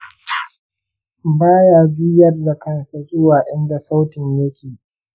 ba ya juyar da kansa zuwa inda sautin yake